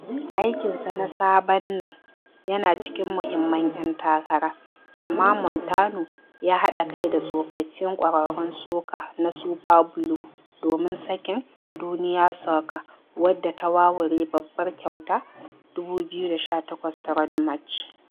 Aikinsa na "Saɓannah" yana cikin muhimman 'yan takara, amma Montano ya haɗa kai da tsofaffin ƙwararrun soca na Superblue domin sakin "Duniya Soca", wadda ta wawure babban kyautar 2018 ta Road March.